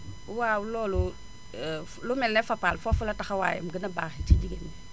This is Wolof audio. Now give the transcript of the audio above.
waaw loolu lu mel ne Fapal foofu la taxawaayam gën a baaxee ci jigéen ñi